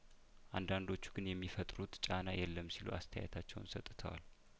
አንዳንዶቹ ግን የሚፈጥሩት ጫና የለም ሲሉ አስተያየታቸውን ሰጥተዋል